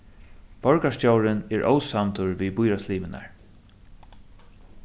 borgarstjórin er ósamdur við býráðslimirnar